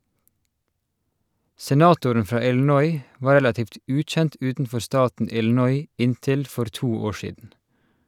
Senatoren fra Illinois var relativt ukjent utenfor staten Illinois inntil for to år siden.